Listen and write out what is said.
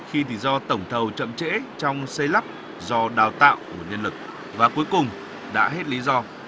khi thì do tổng thầu chậm trễ trong xây lắp do đào tạo nhân lực và cuối cùng đã hết lý do